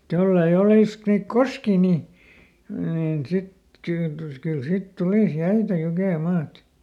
mutta jos ei - niitä koskia niin niin sitten - kyllä sitten tulisi jäitä jukemaat